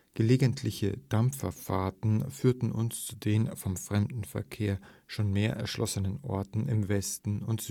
Gelegentliche Dampferfahrten führten uns zu den vom Fremdenverkehr schon mehr erschlossenen Orten im Westen und